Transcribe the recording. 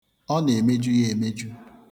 Ọ na-emeju ya emeju.